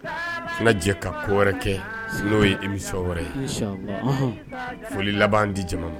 An ka jɛ ka ko wɛrɛ kɛ n'o ye émission wɛrɛ ye foli laban di jama man!